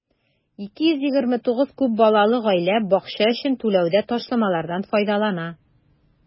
229 күп балалы гаилә бакча өчен түләүдә ташламалардан файдалана.